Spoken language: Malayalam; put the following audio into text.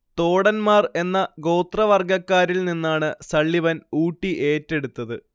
തോടൻമാർ എന്ന ഗോത്രവർഗക്കാരിൽ നിന്നാണ് സള്ളിവൻ ഊട്ടി ഏറ്റെടുത്തത്